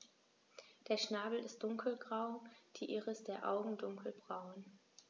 Der Schnabel ist dunkelgrau, die Iris der Augen dunkelbraun.